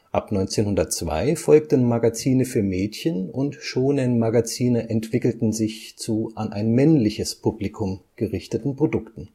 Ab 1902 folgten Magazine für Mädchen und Shōnen-Magazine entwickelten sich zu an ein männliches Publikum gerichteten Produkten